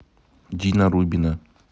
дина рубина